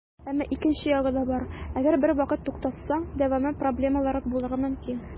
Әмма икенче ягы да бар - әгәр бервакыт туктасаң, дәвамы проблемалырак булырга мөмкин.